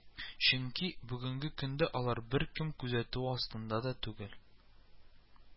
Чөнки, бүгенге көндә алар беркем күзәтүе астында да түгел